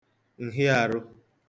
ǹhịaārụ̄